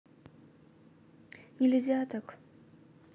нельзя так